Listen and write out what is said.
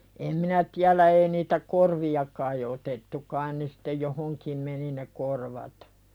en minä tiedä ei niitä korvia kai otettu kai ne sitten johonkin meni ne korvat